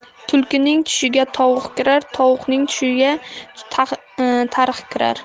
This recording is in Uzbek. tulkining tushiga tovuq kirar tovuqning tushiga tariq kirar